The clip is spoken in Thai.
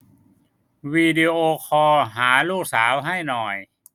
วิดีโอคอลหาลูกสาวให้หน่อย